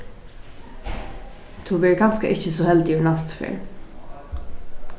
tú verður kanska ikki so heldigur næstu ferð